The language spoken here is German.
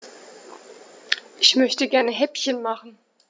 Ich möchte gerne Häppchen machen.